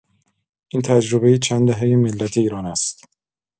این تجربۀ چند دهۀ ملت ایران است.